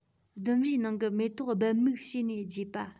ལྡུམ རའི ནང གི མེ ཏོག སྦལ མིག ཕྱེ ནས རྒྱས པ